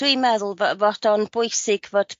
dwi'n meddwl fy- fod o'n bwysig fod